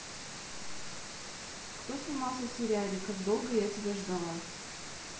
кто снимался в сериале как долго я тебя ждала